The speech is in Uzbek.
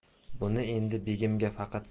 buni endi begimga faqat